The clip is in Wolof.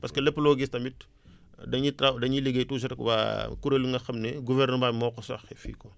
parce lépp loo gis tamit dañuy tra dañuy liggéey toujours ak waa kuréel yi nga xam ne gouvernement bi moo ko sooxee fii quoi